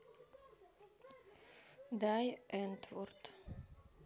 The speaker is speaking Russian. дай энтвурд